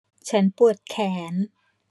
ฉันปวดแขน